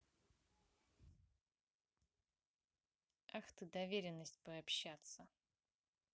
ах ты доверенность пообщаться